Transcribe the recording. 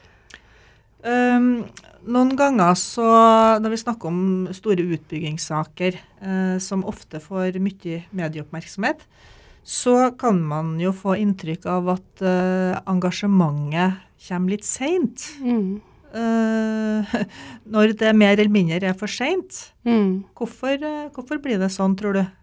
noen ganger så når vi snakker om store utbyggingssaker som ofte får mye medieoppmerksomhet så kan man jo få inntrykk av at engasjementet kommer litt seint når det mer eller mindre er for seint hvorfor hvorfor blir det sånn tror du?